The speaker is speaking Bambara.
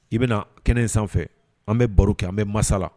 I bɛna na kɛnɛ in sanfɛ an bɛ baro kɛ an bɛ masala